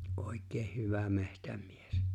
oikein hyvä metsämies